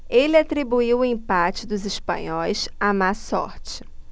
ele atribuiu o empate dos espanhóis à má sorte